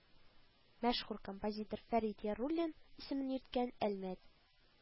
Мәшһүр композитор Фәрит Яруллин исемен йөрткән Әлмәт